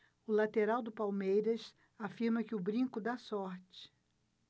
o lateral do palmeiras afirma que o brinco dá sorte